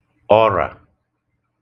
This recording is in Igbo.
ọrà